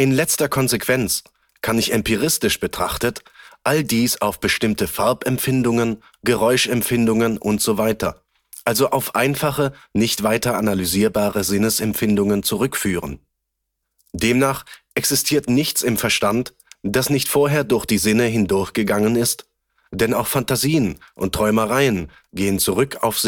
letzter Konsequenz kann ich empiristisch betrachtet all dies auf bestimmte Farb-Empfindungen, Geräusch-Empfindungen usw., also auf einfache, nicht weiter analysierbare Sinnesempfindungen zurückführen. Demnach existiert nichts im Verstand, das nicht vorher durch die Sinne hindurch gegangen ist, denn auch Phantasien und Träumereien gehen zurück auf